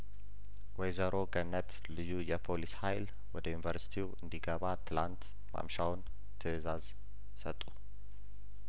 ወይዘሮ ገነት ልዩ የፖሊስ ሀይል ወደ ዩኒቨርስቲው እንዲ ገባ ትላንት ማምሻውን ትእዛዝ ሰጡ